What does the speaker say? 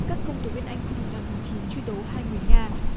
các công tố viên anh hôm mùng năm tháng chín truy tố hai người nga